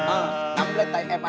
ơ nắm lấy tay em